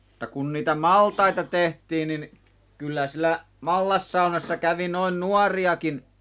mutta kun niitä maltaita tehtiin niin kyllä siellä mallassaunassa kävi noin nuoriakin